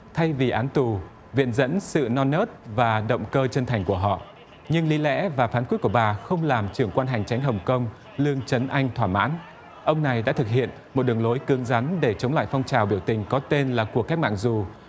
thay vì án tù viện dẫn sự non nớt và động cơ chân thành của họ nhưng lý lẽ và phán quyết của bà không làm trưởng quan hành chánh hồng công lương chấn anh thỏa mãn ông này đã thực hiện một đường lối cứng rắn để chống lại phong trào biểu tình có tên là cuộc cách mạng dù